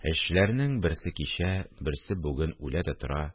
Эшчеләрнең берсе кичә, берсе бүген үлә дә тора